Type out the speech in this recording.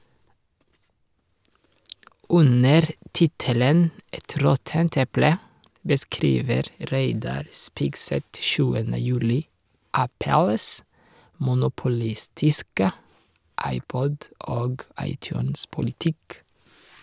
Under tittelen «Et råttent eple» beskriver Reidar Spigseth 7. juli Apples monopolistiske iPod- og iTunes-politikk.